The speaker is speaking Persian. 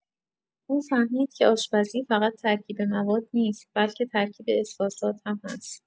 او فهمید که آشپزی فقط ترکیب مواد نیست، بلکه ترکیب احساسات هم هست.